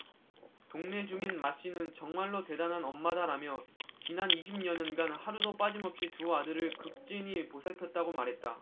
동네 주민은 마씨는 정말로 대단한 엄마다라며 지난 이십 여년간 하루도 빠짐없이 두 아들을 극진히 보살폈다고 말했다